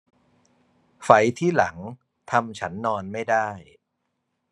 ไฝที่หลังทำฉันนอนไม่ได้